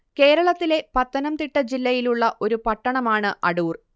കേരളത്തിലെ പത്തനംതിട്ട ജില്ലയിലുള്ള ഒരു പട്ടണമാണ് അടൂർ